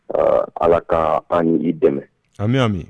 Ɔ ala k ka an ni i dɛmɛ an bɛ y'a min